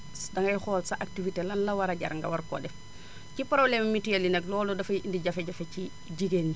dangay xool sa activité lan la war a jar nga war koo def ci problème mu mutuelle yi nag loolu dafay indi jafe-jafe ci jigéen ñi